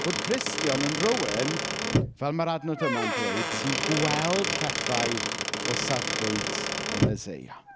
Bod Cristion yn rywun fel ma'r adnod yma'n dweud "sy'n gweld pethau o safbwynt y Meseia."